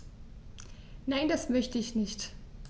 Nein, das möchte ich nicht.